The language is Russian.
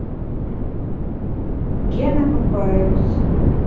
gena папайрус